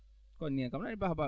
on ñaade kam aɗa andi Ba baɓe